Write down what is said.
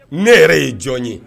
Ne yɛrɛ ye jɔn ye?